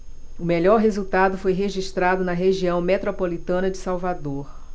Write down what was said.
o melhor resultado foi registrado na região metropolitana de salvador